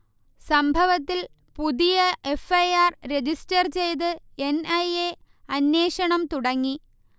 സംഭവത്തിൽ പുതിയ F. I. R. Register ചെയ്ത് എൻ. ഐ. എ. അന്വേഷണം തുടങ്ങി